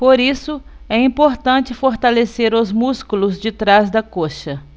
por isso é importante fortalecer os músculos de trás da coxa